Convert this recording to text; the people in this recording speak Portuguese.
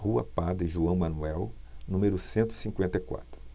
rua padre joão manuel número cento e cinquenta e quatro